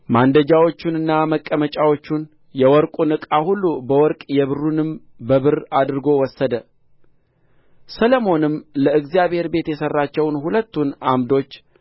ማንደጃዎቹንና መቀመጨዎቹን የወርቁን ዕቃ ሁሉ በወርቅ የብሩንም በብር አድርጎ ወሰደ ሰሎሞንም ለእግዚአብሔር ቤት የሠራቸውን ሁለቱን ዓምዶች